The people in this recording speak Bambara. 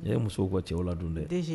N ye musow ka cɛwa don de